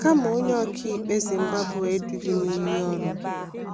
Kama onye ọkàikpe Zimbabwe idu gị n'iyi ọrụ